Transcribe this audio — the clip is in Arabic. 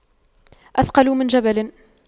أثقل من جبل